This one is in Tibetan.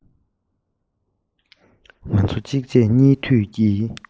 ང ཚོ གཅིག རྗེས གཉིས མཐུད ཀྱིས